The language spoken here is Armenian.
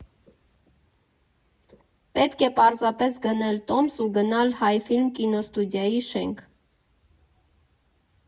Պետք է պարզապես գնել տոմս ու գնալ Հայֆիլմ կինոստուդիայի շենք։